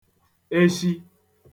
eshi